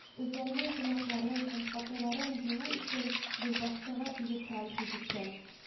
Үзләренең гөнаһларын һәм хаталарын юу өчен юлбашчыга бөек храм төзеткән